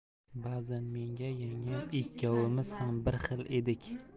ba'zan menga yangam ikkovimiz ham bir xil edik